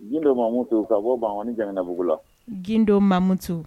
Bindo mamu to ka bɔ ban jamana bbugu la gindo mamutu